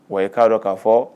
Wa i k'a dɔn k'a fɔ